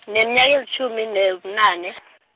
ngineminyaka elitjhumi, nebunane .